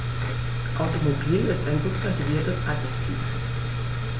Automobil ist ein substantiviertes Adjektiv.